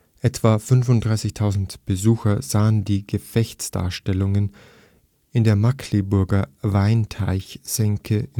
Etwa 35.000 Besucher sahen die Gefechtsdarstellungen in der Markkleeberger Weinteichsenke